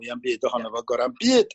mwya'm byd ohono fo gora'n byd